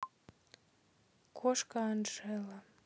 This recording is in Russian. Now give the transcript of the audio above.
кошка анжела